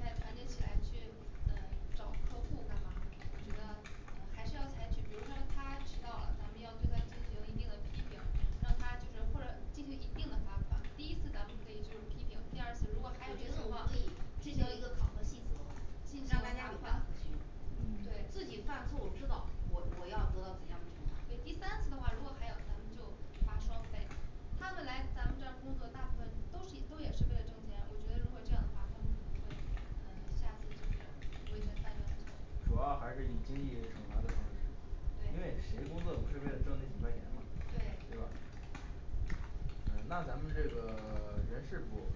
在团结起来去呃找客户干嘛我觉得呃还是要采取，比如说他迟到了，咱们要对他进行一定的批评，让他就是或者进行一定的罚款，第一次咱们可以就是批评，第二次我觉得如我果们还可有这种情况以制定一个考核细则让大家有章可循嗯，自己犯错误知道我我要得到怎样的惩罚对第三次的话，如果还有咱们就罚双倍他们来咱们这儿工作大部分都是 都也是为了挣钱，我觉得如果这样的话，他们可能会呃下次就是不会再犯这个错误主要还是以经济惩罚的方式因为对谁工作不是为了挣那几块钱嘛对对吧呃那咱们这个人事部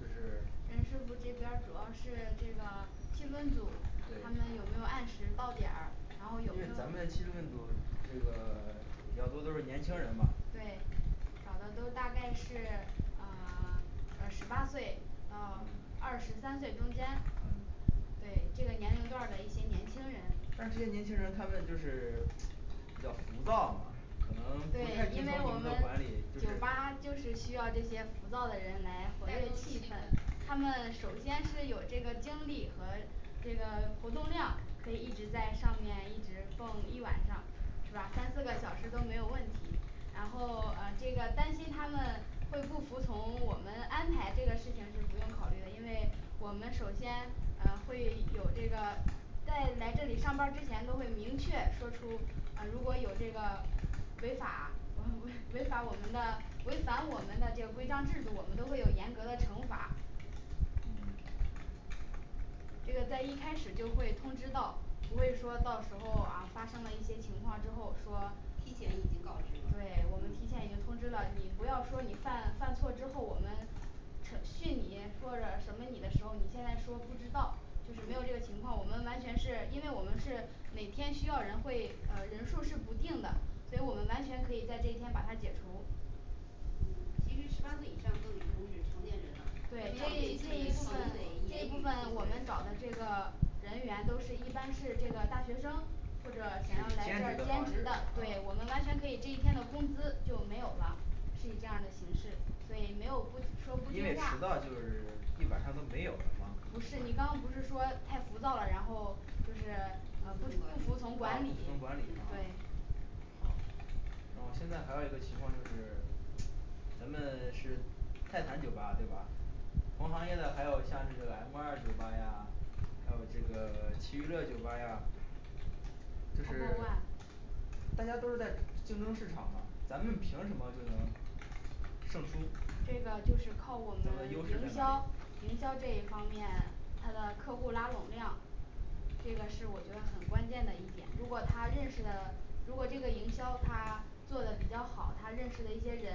就是人事部这边主要是这个气氛组他们对有没有按时到点儿然后因有没为咱有们气氛组这个比较多的都是年轻人嘛对找的都大概是呃 呃十八岁到嗯二十三岁中间嗯。对这个年龄段的一些年轻人但是这些年轻人他们就是比较浮躁嘛，可能对不太听因为从我你们们的管理酒吧，就是就是需要这些浮躁的人来活带跃动气气氛氛。他们首先是有这个精力和这个活动量可以一直在上面一直蹦一晚上是吧？三四个小时都没有问题，然后呃这个担心他们会不服从我们安排，这个事情是不用考虑的，因为我们首先呃会有这个在来这里上班儿之前都会明确说出，呃如果有这个违法，我们不会违反我们的违反我们的这规章制度，我们都会有严格的惩罚这个在一开始就会通知到，不会说到时候啊发生了一些情况之后说提前已经告知了对，我们提前已经通知了，你不要说你犯犯错之后我们扯 训你或者什么你的时候，你现在说不知道就是没有这个情况，我们完全是因为我们是每天需要人会呃人数儿是不定的，所以我们完全可以在这一天把他解除嗯其实十八岁以上都已经是成年人了对这一这一部分这一部分我们找的这个人员都是一般是这个大学生或者想以兼要来职的方兼职式噢的对，我们完全可以这一天的工资就没有了是以这样的形式，所以没有不说不因听为话迟到就是一晚上都没有了吗不是你刚不是说太浮躁了，然后就是呃不不啊不服服从从管管理理，啊对好然后现在还有一个情况就是咱们是泰坦酒吧对吧？同行业的还有像这个M二酒吧呀，还有这个 七娱乐酒呀这 top 是 one 大家都是在竞争市场嘛，咱们凭什么就能胜出这个就是靠我们咱们的优势营在哪里销营销这一方面他的客户拉拢量这个是我觉得很关键的一点，如果他认识的如果这个营销他做的比较好，他认识的一些人，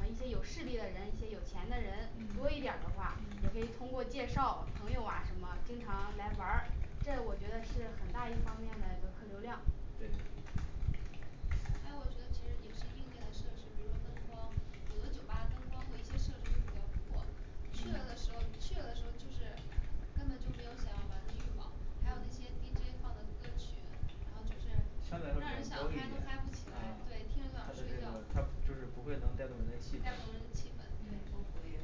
呃一些有势力的人，一些有钱的人多嗯一点儿的话嗯，也可以通过介绍朋友什么经常来玩儿这我觉得是很大一方面的一个客流量对还有我觉得其实也是硬件的设施，比如说灯光有的酒吧灯光和一些设施都比较破去了嗯的时候去的时候就是根本就没有想要玩的欲望，还有那些对 D J放的歌曲，然后就是相对来说让人比较想忧郁嗨都点嗨不起来嗯对听他的了想这睡个觉他就是不会能带动人的气带氛动人的气氛不对活跃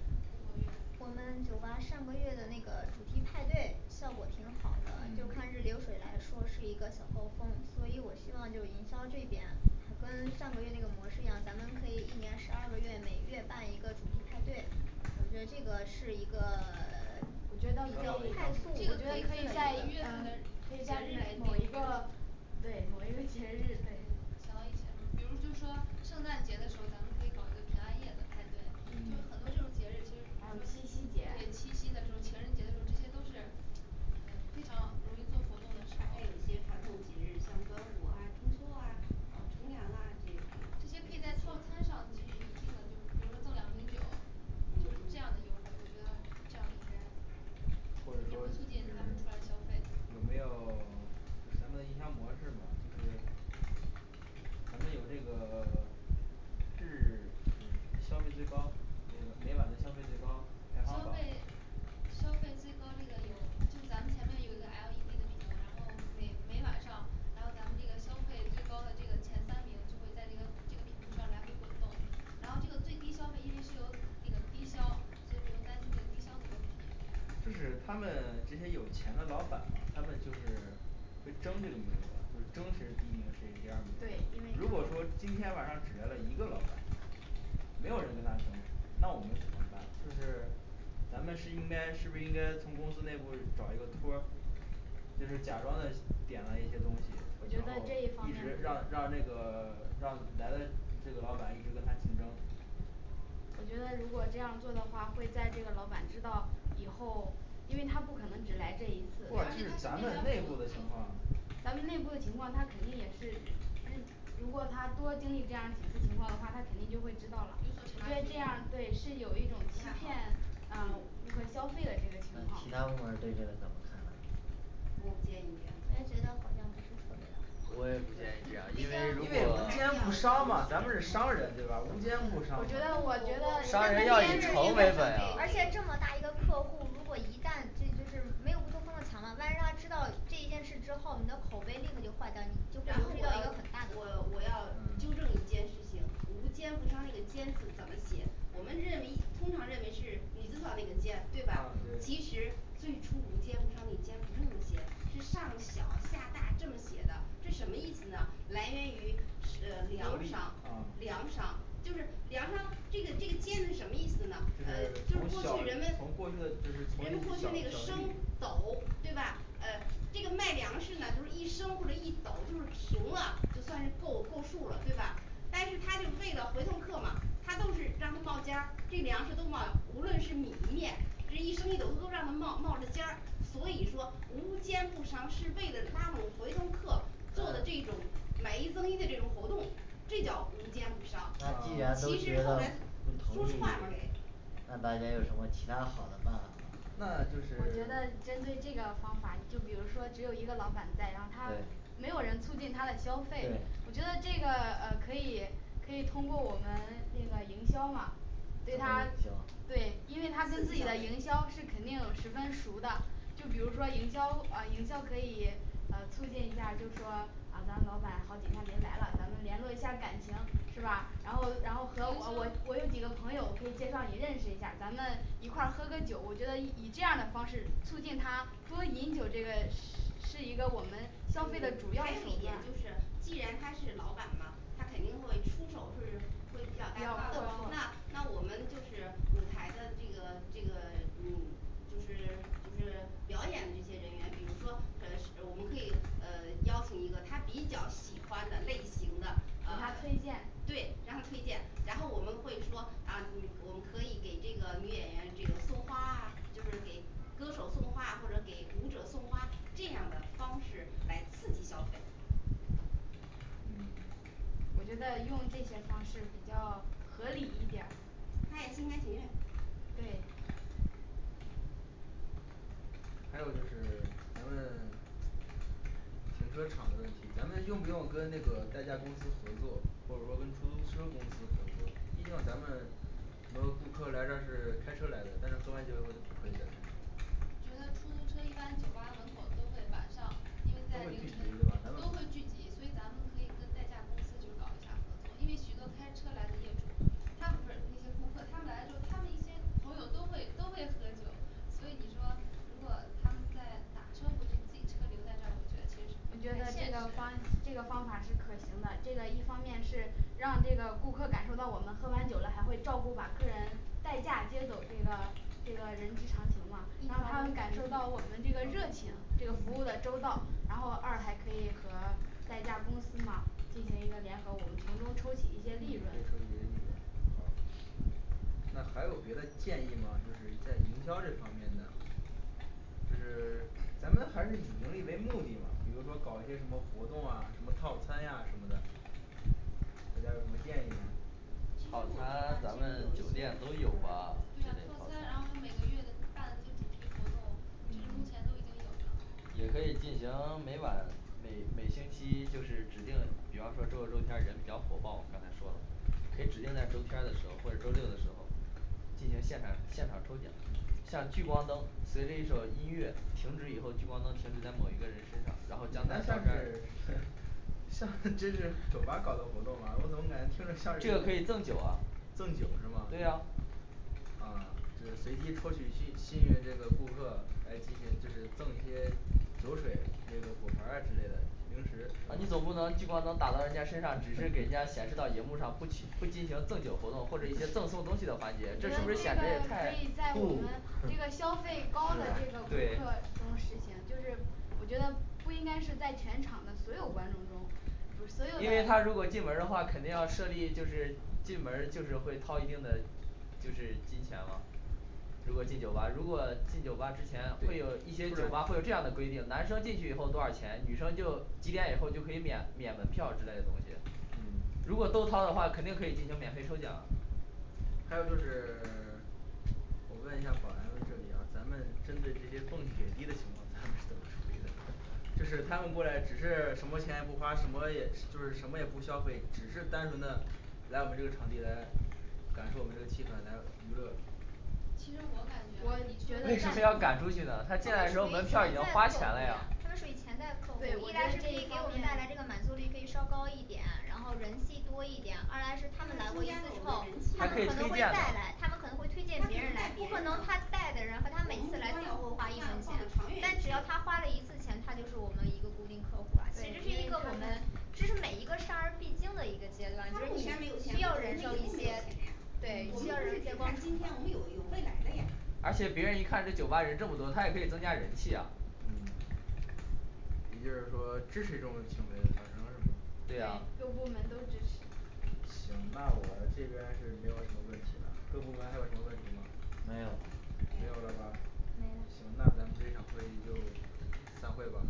不活跃我们酒吧上个月的那个主题派对效果挺好的就看这嗯流水来说是一个小高峰，所以我希望就营销这边就跟上个月这个模式一样，咱们可以一年十二个月每月办一个主题派对，我觉得这个是一个 我觉得可以我觉得可以在呃在可以在某一个对某一个节日对 想到一点比如就是说圣诞节的时候，咱们可以搞一个平安夜的派对就是很多这种节日，其实比如还有说就是七夕对节七夕的时候，情人节的时候这些都是呃非常容易做活动的时对候一些传统节日，像端午啊、中秋啊、重阳啊这些节日也可以在套餐上给予一定的比如说赠两瓶酒就是这样的优惠我觉得这样应该或者也说会促是进他们出来消费有没有就咱们营销模式嘛就是咱们有这个 日就是消费最高呃每晚的消费最高排消行榜费消费最高这个有，就咱们前面有一个L E D的屏，然后每每晚上，然后咱们那个消费最高的这个前三名就会在这个这个屏幕上来回滚动，然后这个最低消费因为是由那个低消，所以不用担心这个低消的问题。就是他们这些有钱的老板嘛他们就是会争这个名额，会争谁是第一名，谁是第二名对，因如为果他说们今天晚上只来了一个老板没有人跟他争，那我们怎么办？就是咱们是应该是不是应该从公司内部找一个托儿就是假装的点了一些东西我，觉然得这一后方一面直儿让让让咱那们个 让来的这个老板一直跟他竞争我觉得如果这样做的话，会在这个老板知道以后，因为他不可能只来这一次不啊这是咱们内部的情况咱们内部的情况他肯定也是知 如果他多经历这样几次情况的话，他肯定就会知道了，我觉得这样对是有一种欺骗啊顾客消费的这个情那其况他部门对这个怎么看呢我不建议我也觉得不是这样做特别的好我也不建议这样因为如因为无果奸不商吗咱们是商人对吧无奸不商我觉得我觉得商人要以诚为本呀而且这么大一个客户如果一旦去就是没有不漏风的墙啊万一让他知道这件事之后，你的口碑立刻就坏掉了就然后会有一个很大的我我我要纠正嗯一件事情无奸不商这个奸字怎么写我们认为通常认为是女字旁这个呃奸对对吧？其实最初无奸不商那奸不是那么写，是上小下大这么写的，这什么意思呢来源于是 呃格良力啊商良商就是良商这个这个尖字是什么意思呢对呃？就就是从过小去人们从过去的就是人们过从去小那个小升益斗对吧呃这个卖粮食呢就是一升或者一斗就是平了，就算是够够数儿了对吧？但是他就为了回头客嘛，他都是让它冒尖儿，这粮食都冒，无论是米面这一升一斗都让它冒冒着尖，所以说无奸不商是为了拉拢回头客做的这种买一赠一的这个活动这叫无奸不商那既然都其说实后了来不更同意换了给那大家有什么其它好的办法没有那就我是觉得针对这个方法你就比如说只有一个老板在然后他对没有人促进他的消费对我觉得这个呃可以可以通过我们那个营销嘛通过对营他对销因为他跟自己的营销是肯定十分熟的，就比如说营销啊营销可以啊促进一下，就说啊咱老板好几天没来了，咱们联络一下感情是吧？然后然后和我我我有几个朋友我可以介绍你认识一下儿，咱们一块喝个酒，我觉得以这样的方式促进他多饮酒这个是 是一个我们还有一消费的主要手点段就是既然他是老板嘛，他肯定会出手就是会比较比大较方。 阔那绰那我们就是舞台的那个这个嗯就是那个表演的这些人员怎么说呃是我们可以呃邀请一个他比较喜欢的类型的给他推荐对让他推荐。然后我们会说啊你我们可以给这个女演员这个送花啊就是给歌手送花啊或者给读者送花这样的方式来刺激消费嗯我觉得用这些方式比较合理一点儿他也心甘情愿对还有就是咱们停车场的问题，咱们用不用跟那个代驾公司合作，或者说跟出租车公司合作，毕竟咱们很多顾客来这儿是开车来的，但是喝完酒以后就不可以再开车了都会聚集对吧咱们我觉得出租车一般酒吧门口都会晚上，因为都在会凌聚集晨对吧咱们都会聚集，所以咱们可以跟代驾公司就搞一下儿合作，因为许多开车来的业主，他们不是那些顾客，他们来了之后他们一些朋友都会都会喝酒所以你说如果他们再打车回去，自己车留在这儿我觉得其实是我不觉得太现这个方实这个方法是可行的，这个一方面是让这个顾客感受到我们喝完酒了，还会照顾把客人代驾接走这个，这个人之常情嘛，让他们感受到我们这个热情这个服务的周到然后二还可以和代驾公司嘛进行一个联合，我们从中抽取一些利润可。以抽取一些利润好行那还有别的建议吗就是在营销这方面的就是 咱们还是以盈利为目的嘛，比如说搞一些什么活动啊，套餐呀什么的，大家有什么建议吗其实我这边还是真有套餐咱们酒一店些不熟是有人对啊吗之类套餐的然后咱每个月的办那主题活动，这是目前嗯都已经有了也可以进行每晚每每星期就是指定，比方说周六周天儿人比较火爆，刚才说了可以指定在周天儿的时候或者周六的时候进行现场现场抽奖，像聚光灯随着一首音乐停止以后，聚光灯停止在某一个人身上然后你将他那像照片儿是 像是这是酒吧搞得活动啊我怎么感觉听着像是这那个可以种赠酒啊赠酒是吗对啊啊就是随机抽取幸幸运这个顾客来进行就是赠一些酒水这个果盘儿啊之类的零食 啊你总不能聚光灯打到人家身上，只是给人家显示到荧幕上不取不进行赠酒活动或者一些赠送东西的环我觉节得这这就个可会显这个太以在我们这个消费高的这个顾客对中实行，就是我觉得不应该是在全场的所有观众中不所是因有为他如的果进门的话肯定设立就是进门就是会掏一定的就是金钱了如果进酒吧如果进酒吧之前会对有一不些酒吧然会有这样的规定，男生进去以后多少钱，女生就几点以后就可以免免门票之类的东西嗯如果都掏的话，肯定可以进行免费抽奖还有就是 我问一下儿保安这里啊咱们针对这些蹦野迪的情况下咱们是怎么处理的？就是他们过来只是什么钱也不花什么，什么也就是什么也不消费，只是单纯的来我们这个场地来感受我们这个气氛来娱乐其实我感觉吧我为觉什么要得赶出去这呢，他进来的时候门票已经花钱了呀属于潜在客户对我一觉来得这给一方我面们带来这个满座率可以稍高一点然后人气多一点二来他们来增加了他们可能会我还可们以人气推荐再的来他们可能他可会推能荐带别别人人来来可能他带的人我们的目光要放的都不花一分钱长远一但只要他点花了一次钱他就是我们一个固定客户了这是一个我们这是每一个商人必经的一个阶段，他没目前没有钱不等于他必以要忍受后一没有些钱，我们不对嗯是只看今天我们有有未来的呀而且别人一看这酒吧人这么多，他也可以增加人气啊嗯也就是说支持这种行为发生是吗对对呀各部门都支持行那我这边是没有什么问题了，各部门还有什么问题吗没有了没有了吧没了行，那咱们这场会议就散会吧